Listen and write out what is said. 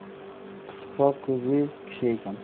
qisiqroq ko'zli kishi ekan